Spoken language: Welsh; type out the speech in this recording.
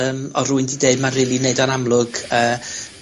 yym, o' rywun 'di deud ma'n rili neud o'n amlwg, yy,